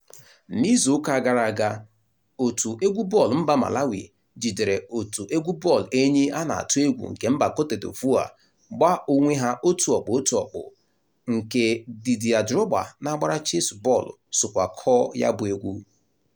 N'izuụka a gara aga, otu egwu bọọlụ mba Malawi jidere otu egwu bọọlụ Enyi a na-atụ egwu nke mba Côte D'Ivoire gba onwé ha otu ọkpụ otu ọkpụ(1:1) nke Didier Drogba na-agbara Chelsea bọọlụ sokwa kụọ ya bụ egwu.